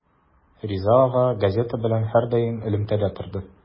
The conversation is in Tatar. Риза ага газета белән һәрдаим элемтәдә торды.